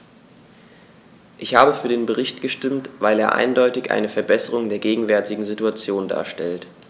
Ich habe für den Bericht gestimmt, weil er eindeutig eine Verbesserung der gegenwärtigen Situation darstellt.